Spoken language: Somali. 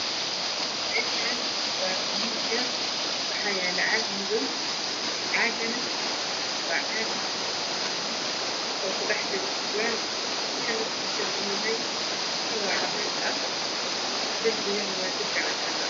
Meeshaan waa miis yar waxaa yaalo caag madow. Caagana waa caag surwaal kudhexjiro kalarkiisuna uu yahay cadeys darbigana waa cadaan.